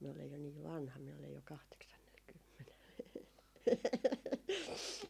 minä olen jo niin vanha minä olen jo kahdeksannellakymmenellä